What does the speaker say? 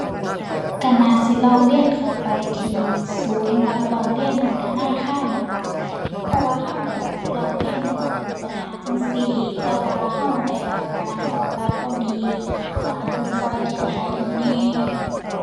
ก็น่าสิร้องเรียนเข้าไปที่ศูนย์รับร้องเรียนของธนาคารนั่นล่ะ เพราะว่าก็ก็ร้องเรียนว่าเกิดปัญหาจั่งซี้ แต่ว่าก็ได้รับการตอบรับบ่ดี อยากให้เพิ่นก็แก้ไขให้แหน่